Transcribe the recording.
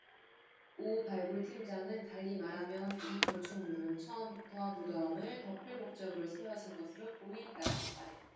오 발굴팀장은 달리 말하면 이 건축물은 처음부터 무덤을 덮을 목적으로 세워진 것으로 보인다고 말했다